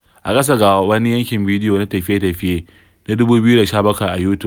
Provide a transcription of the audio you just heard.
A ƙasa ga wani yankin bidiyo na tafiye-tafiyen na 2017 a Youtube: